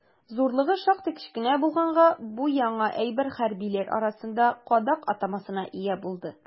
Зурлыгы шактый кечкенә булганга, бу яңа әйбер хәрбиләр арасында «кадак» атамасына ия булды.